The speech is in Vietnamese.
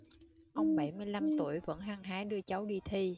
ông bảy mươi lăm tuổi vẫn hăng hái đưa cháu đi thi